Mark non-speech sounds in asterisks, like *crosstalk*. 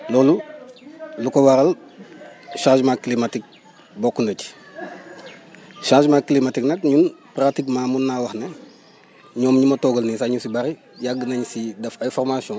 loolu lu ko waral changement climatique bokk na ci *crosstalk* changement climatique nag ñun pratiquement mun naa wax ne ñoom ñi ma toogal nii sax ñu ci bëri yàgg nañ si def ay formations